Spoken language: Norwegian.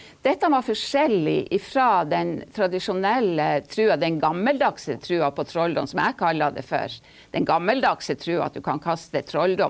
dette var forskjellig ifra den tradisjonelle trua, den gammeldagse trua på trolldom, som jeg kaller det for, den gammeldagse trua at du kan kaste trolldom.